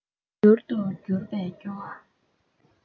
མྱུར དུ འགྱུར བས སྐྱོ བ